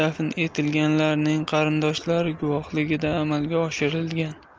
dafn etilganlarning qarindoshlari guvohligida amalga oshirilgan